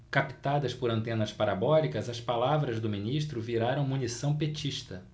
captadas por antenas parabólicas as palavras do ministro viraram munição petista